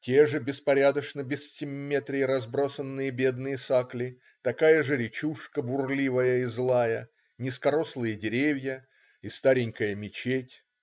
те же беспорядочно, без симметрии разбросанные бедные сакли, такая же речушка, бурливая и злая. Низкорослые деревья. И старенькая мечеть.